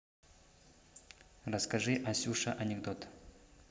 расскажи асюша анекдот